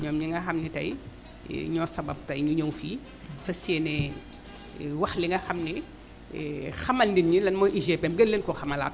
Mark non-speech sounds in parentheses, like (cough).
ñoom ñi nga xam ne tey ñoo sabab tey ñu ñëw fii fas yéenee (music) wax li nga xam ni (hesitation) xamal nit éni lan mooy UGPM gën leen koo xamalaat